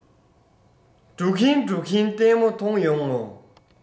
འགྲོ གིན འགྲོ གིན ལྟད མོ མཐོང ཡོང ངོ